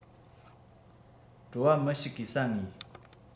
བྲོ བ མི ཞིག གིས ཟ ངེས